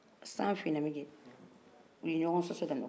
san fin na min kɛ u ye ɲɔgɔn sɔsɔ daminɛ